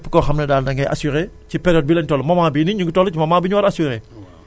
kon képp koo xam ne daal da ngay assurer ci période bi lañ toll moment bii nii ñu ngi toll ci moment bi ñu war a assurer